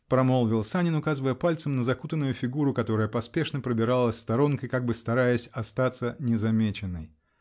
-- промолвил Санин, указывая пальцем на закутанную фигуру, которая поспешно пробиралась сторонкой, как бы стараясь остаться незамеченной.